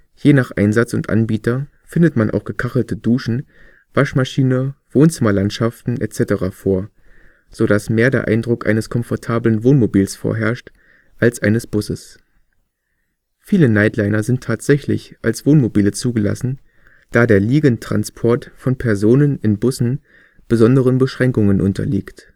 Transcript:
Je nach Einsatz und Anbieter findet man auch gekachelte Duschen, Waschmaschine, Wohnzimmerlandschaften etc. vor, so dass mehr der Eindruck eines komfortablen Wohnmobils vorherrscht als eines Busses. Viele Nightliner sind tatsächlich als Wohnmobile zugelassen, da der Liegendtransport von Personen in Bussen besonderen Beschränkungen unterliegt